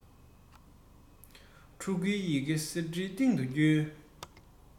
ཕྲུ གུའི ཡི གེ གསེར ཁྲིའི སྟེང དུ སྐྱོལ